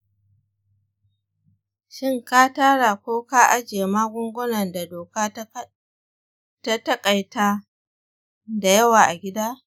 shin ka tara ko ka ajiye magungunan da doka ta taƙaita da yawa a gida?